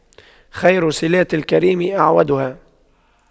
خير صِلاتِ الكريم أَعْوَدُها